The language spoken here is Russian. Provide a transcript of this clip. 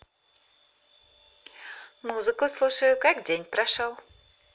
музыку слушаю как день прошел